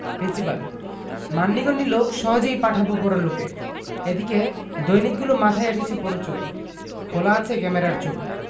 principal মান্যিগন্যি লোক সহজেই পাঠাবো পরলোকে এদিকে দৈনিকগুলো মাথায় এঁটেছে পরচুলো খোলা আছে ক্যামেরার চোখ